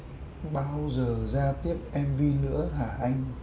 bao giờ ra tiếp em vi nữa hả anh